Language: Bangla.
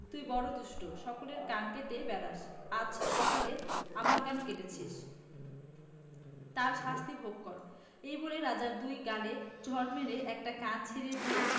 তুই বড়ো দুষ্ট সকলের কান কেটে বেড়াস আজ সকালে আমার কান কেটেছিস তার শাস্তি ভোগ কর এই বলে রাজার দুই গালে চড় মেরে একটা কান ছিড়ে দিয়ে